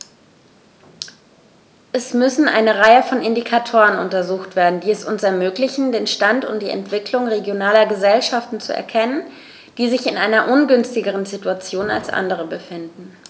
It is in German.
Es müssen eine Reihe von Indikatoren untersucht werden, die es uns ermöglichen, den Stand und die Entwicklung regionaler Gesellschaften zu erkennen, die sich in einer ungünstigeren Situation als andere befinden.